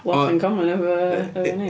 Lot in common hefo rhein.